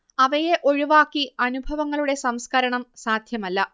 അവയെ ഒഴിവാക്കി അനുഭവങ്ങളുടെ സംസ്കരണം സാധ്യമല്ല